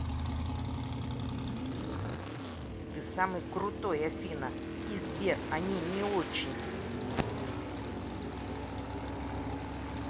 ты самый крутой афина и сбер они не очень